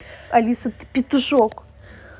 алиса ты петушок